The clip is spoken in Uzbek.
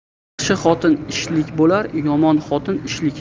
yaxshi xotin ishlik bo'lar yomon xotin tishlik